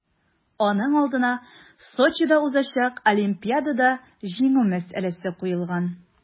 Аның алдына Сочида узачак Олимпиадада җиңү мәсьәләсе куелган.